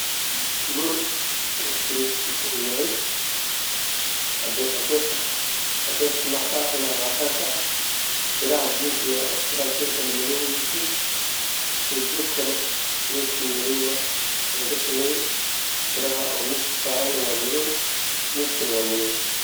Meeshaan waa qol jim